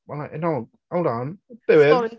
Well no hold on. Bear with.